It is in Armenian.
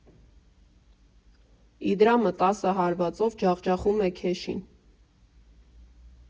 Իդրամը տասը հարվածով ջախջախում է քեշին.